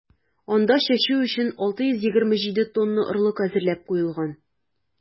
Анда чәчү өчен 627 тонна орлык әзерләп куелган.